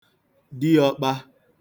diọ̄kpā